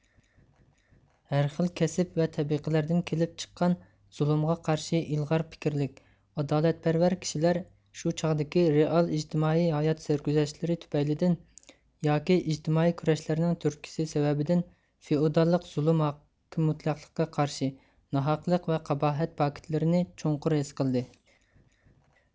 ھەر خىل كەسىپ ۋە تەبىقىلەردىن كېلىپ چىققان زۇلۇمغا قارشى ئىلغار پىكىرلىك ئادالەتپەرۋەر كىشىلەر شۇ چاغدىكى رېئال ئىجتىمائىي ھايات سەرگۈزەشتىلىرى تۈپەيلىدىن ياكى ئىجتىمائىي كۈرەشلەرنىڭ تۈرتكىسى سەۋەبىدىن فېئوداللىق زۇلۇم ھاكىممۇتلەقلىققا قارشى ناھەقلىق ۋە قاباھەت پاكىتلىرىنى چوڭقۇر ھېس قىلدى